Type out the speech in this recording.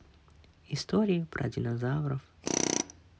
истории про динозавров